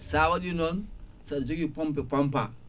sa waɗi noon saɗa jogui pompe pompa